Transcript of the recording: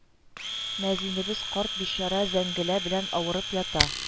Мәзинебез карт; бичара зәңгелә белән авырып ята